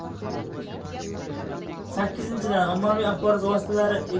sakkizinchidan ommaviy axborot vositalari